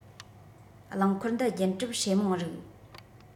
རླངས འཁོར འདི རྒྱུན གྲབས སྲེ མོང རིགས